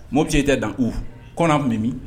Mo tiɲɛ tɛ dan u kɔn bɛmi